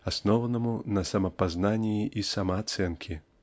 основанному на самопознании и самооценке.